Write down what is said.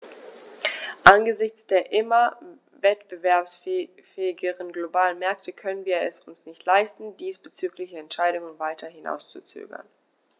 Angesichts der immer wettbewerbsfähigeren globalen Märkte können wir es uns nicht leisten, diesbezügliche Entscheidungen weiter hinauszuzögern.